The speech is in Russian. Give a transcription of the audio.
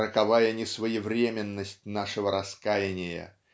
роковая несвоевременность нашего раскаяния